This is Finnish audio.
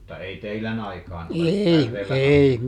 mutta ei teidän aikaan ole päreellä katsottu